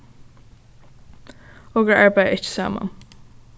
okur arbeiða ikki saman